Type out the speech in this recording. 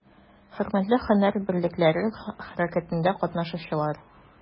Хөрмәтле һөнәр берлекләре хәрәкәтендә катнашучылар!